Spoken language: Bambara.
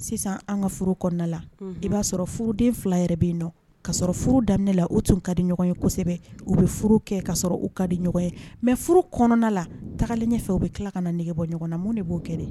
Sisan an ka furu kɔnɔna la i b'a sɔrɔ furuden fila yɛrɛ bɛ yen ka sɔrɔ furu daminɛ u tun ka di ɲɔgɔn ye kosɛbɛ u bɛ furu kɛ ka u ka di ɲɔgɔn ye mɛ furu kɔnɔna la tagali ɲɛfɛ u bɛ tila ka na nɛgɛge bɔ ɲɔgɔn na mun de b'o kɛ